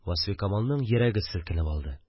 Васфикамалның йөрәге селкенеп алды